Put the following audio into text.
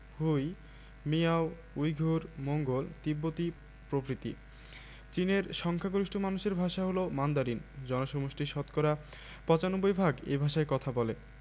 হুই Miao Uyghur Mongol তিব্বতি প্রভৃতি চীনের সংখ্যাগরিষ্ঠ মানুষের ভাষা হলো মান্দারিন জনসমষ্টির শতকরা ৯৫ ভাগ এ ভাষায় কথা বলে